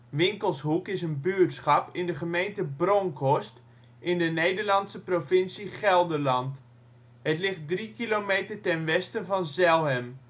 Winkelshoek is een buurtschap in de gemeente Bronckhorst in de Nederlandse provincie Gelderland. Het ligt drie kilometer ten westen van Zelhem